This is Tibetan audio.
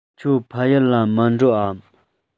ཁྱོད ཕ ཡུལ ལ མི འགྲོ འམ